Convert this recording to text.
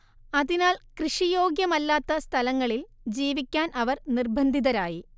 അതിനാൽ കൃഷി യോഗ്യമല്ലാത്ത സ്ഥലങ്ങളിൽ ജീവിക്കാൻ അവർ നിർബന്ധിതരായി